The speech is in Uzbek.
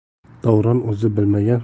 davron o'zi bilmagan